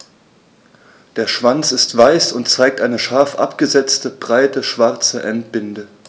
Der Schwanz ist weiß und zeigt eine scharf abgesetzte, breite schwarze Endbinde.